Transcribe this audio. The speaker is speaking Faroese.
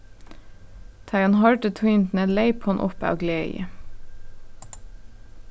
tá ið hon hoyrdi tíðindini leyp hon upp av gleði